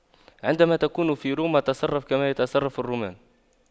عندما تكون في روما تصرف كما يتصرف الرومان